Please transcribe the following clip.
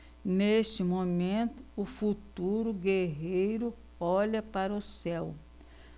neste momento o futuro guerreiro olha para o céu